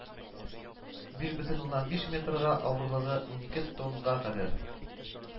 Биш бөтен уннан биш метрга, авырлыгы унике тоннага кадәр